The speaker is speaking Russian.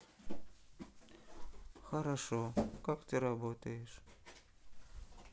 хорошо как ты работаешь